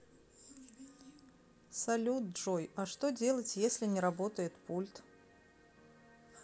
салют джой а что делать если не работает пульт